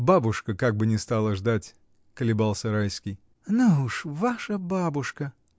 — Бабушка как бы не стала ждать. — колебался Райский. — Ну уж, ваша бабушка!